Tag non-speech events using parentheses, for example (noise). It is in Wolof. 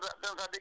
waaw (laughs)